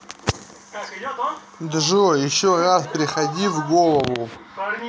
джой еще раз приходи в голову